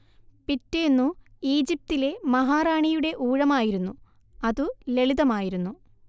പിറ്റേന്നു ഈജിപ്തിലെ മഹാറാണിയുടെ ഊഴമായിരുന്നു അതു ലളിതമായിരുന്നു